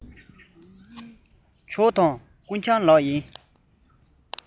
ཇོ དང སྐུ ལྕམ ལགས ཡེ